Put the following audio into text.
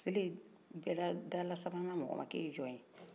u selen dala sabanan mɔgɔ ma k'e ye jɔn ye